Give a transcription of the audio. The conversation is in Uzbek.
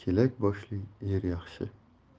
chelak boshli er yaxshi